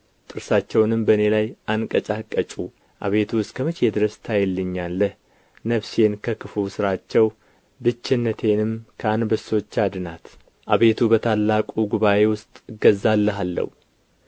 ጥርሳቸውንም በእኔ ላይ አንቀጫቅጩ አቤቱ እስከ መቼ ድረስ ታይልኛለህ ነፍሴን ከክፉ ሥራቸው ብችነቴንም ከአንበሶች አድናት አቤቱ በታላቁ ጉባኤ ውስጥ እገዛልሃለሁ